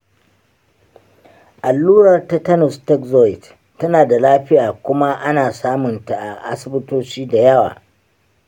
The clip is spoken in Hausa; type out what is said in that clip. allurar tetanus toxoid tana da lafiya kuma ana samun ta a asibitoci da yawa.